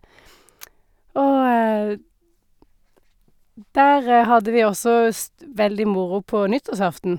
Og der hadde vi også st veldig moro på nyttårsaften.